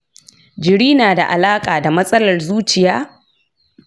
jiri nada alaƙa da matsalar zuciya?